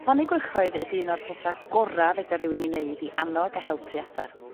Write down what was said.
Plannu gwrychoedd ydi un o'r petha' gora' fedar rywun 'i neud i annog a helpu adar.